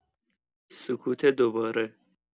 سکوت دوباره